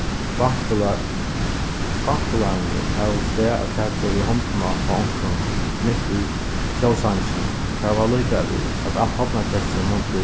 av stað at taka í hondina á onkrum mitt í tjóðsanginum tað var líka við at alt hornorkestrið mundi